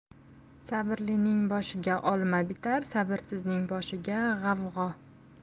sabrlining boshiga olma bitar sabrsizning boshiga g'avg'o